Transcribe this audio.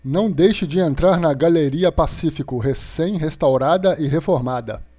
não deixe de entrar na galeria pacífico recém restaurada e reformada